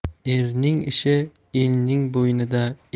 erning ishi elning bo'ynida